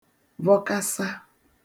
vọkasa